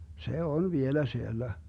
se on vielä siellä